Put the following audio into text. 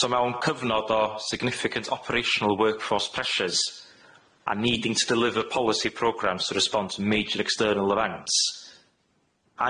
So mewn cyfnod o significant operational work force pressures and needing to deliver policy programmes to respond to major external events